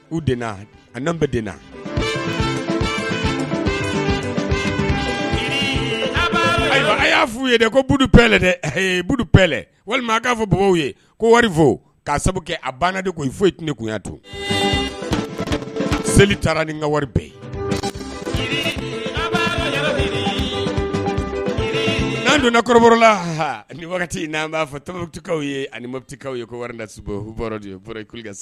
Y'a f'u ko bɛɛ bɛɛ walima a'a fɔ ye ko wari fo k'a sabu kɛ a bange de ko foyi tun ni kun to seli taara ni wari bɛɛ ye n'an donna kɔrɔlaha ni waati in n an b'a fɔ tamakaw ye anikaw ye wari